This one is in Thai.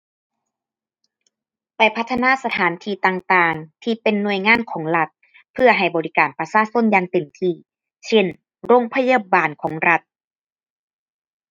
ไปพัฒนาสถานที่ต่างต่างที่เป็นหน่วยงานของรัฐ เพื่อให้บริการประชาชนอย่างเต็มที่ เช่น โรงพยาบาลของรัฐ